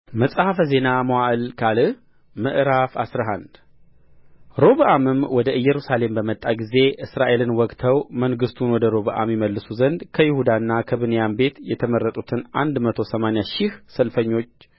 መጽሐፈ ዜና መዋዕል ካልዕ ምዕራፍ አስራ አንድ ሮብዓምም ወደ ኢየሩሳሌም በመጣ ጊዜ እስራኤልን ወግተው መንግሥቱን ወደ ሮብዓም ይመልሱ ዘንድ ከይሁዳና ከብንያም ቤት የተመረጡትን አንድ መቶ ሰማንያ ሺህ ሰልፈኞች